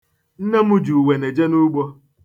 Nne ji uwene je n'ugbo.